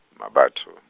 Mmabatho.